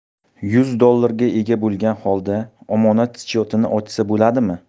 yuz dollarga ega bo'lgan holda omonat schyoti ochsa bo'ladimi